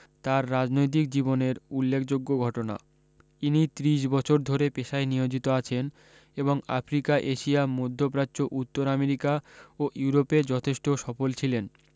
তার রাজনৈতিক জীবনের উল্লেখযোগ্য ঘটনা ইনি ত্রিশ বছর ধরে পেশায় নিয়োজিত আছেন এবং আফ্রিকা এশিয়া মধ্য প্রাচ্য উত্তর আমেরিকা ও ইউরোপে যথেষ্ঠ সফল ছিলেন